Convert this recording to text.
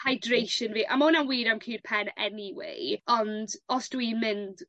...hydration fi, a ma' wnna'n wir am cur pen anyway ond os dwi'n mynd